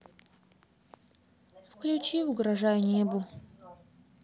включи угрожая небу